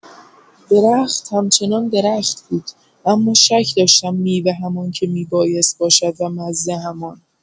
درخت، همچنان درخت بود، اما شک داشتم میوه همان که می‌بایست باشد و مزه همان!